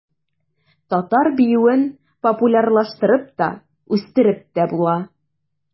Татар биюен популярлаштырып та, үстереп тә була.